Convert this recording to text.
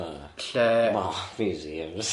O. Lle ma'... Oh museums.